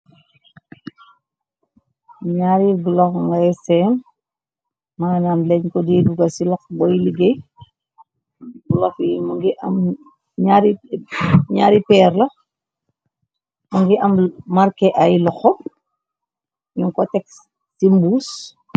Ñaari glo ngay seem, manam leñ ko diituga ci lox boy liggéey lofi ñaari peer la, mu ngi am marke ay loxo, ñu ko tex ci mbuus.